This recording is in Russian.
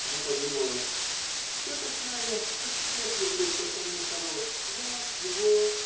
Она подумала: -- Я такая: я всех люблю, кто со мной хорош. Вас, его.